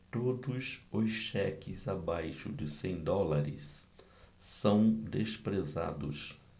todos os cheques abaixo de cem dólares são desprezados